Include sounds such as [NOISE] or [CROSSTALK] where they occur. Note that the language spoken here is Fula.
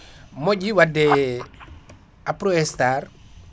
[BREATH] moƴƴi wadde [NOISE] Aprostar